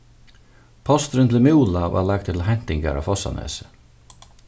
posturin til múla varð lagdur til heintingar á fossánesi